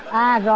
à rồi